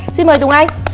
xin mời tùng anh